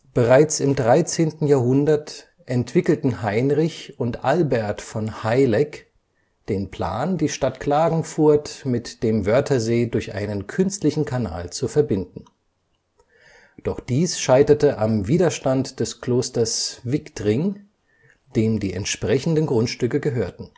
Bereits im 13. Jahrhundert entwickelten Heinrich und Albert von Haileck (Hallegg) den Plan, die Stadt Klagenfurt mit dem Wörthersee durch einen künstlichen Kanal zu verbinden. Doch dies scheiterte am Widerstand des Klosters Viktring, dem die entsprechenden Grundstücke gehörten